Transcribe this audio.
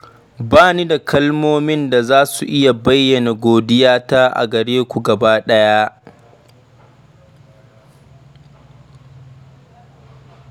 Ba ni da kalmomin da za su iya bayyana godiyata a gare ku gaba ɗaya ba.